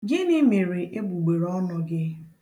Gịnị mere egbugbereọnụ gị?